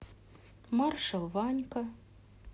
маршал ванька